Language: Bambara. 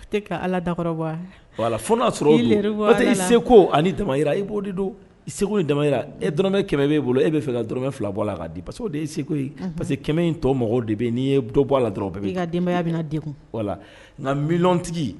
Tɛ ala da fo y'a sɔrɔ seguko ani tamara i b'o de don segu ni da e dɔrɔmɛ kɛmɛ b' bolo e' fɛ ka d dɔrɔnmɛ fila bɔ la k'a di de ye segu parce que kɛmɛ in tɔ mɔgɔw de bɛ n'i dɔ bɔ la dɔrɔn ka denbaya bɛna na den la nka mitigi